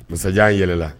Masajan yɛlɛla